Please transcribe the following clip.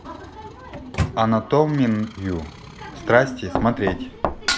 анатомию страсти смотреть